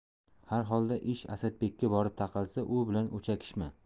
har holda ish asadbekka borib taqalsa u bilan o'chakishma